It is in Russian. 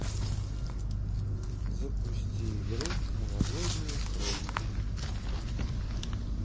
запусти игру новгородские хроники